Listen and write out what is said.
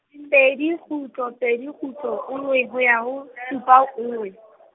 pedi kgutlo pedi kgutlo nngwe ho ya ho, supa nngwe.